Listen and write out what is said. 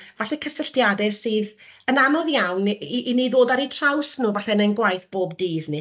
Falle cysylltiadau sydd yn anodd iawn i i ni ddod ar eu traws nhw falle yn ein gwaith bob dydd ni.